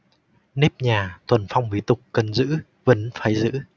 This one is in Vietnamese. nếp nhà thuần phong mỹ tục cần giữ vẫn phải giữ